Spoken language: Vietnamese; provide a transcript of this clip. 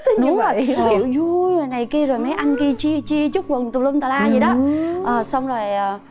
đúng rồi kiểu vui rồi này kia rồi mấy anh kia chia chia chúc mừng tùm lum tà la vậy đó ờ xong rồi à